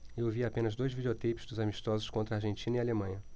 eu vi apenas dois videoteipes dos amistosos contra argentina e alemanha